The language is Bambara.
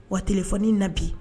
Wa t fɔ' na bi